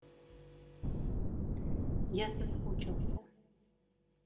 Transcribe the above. я соскучился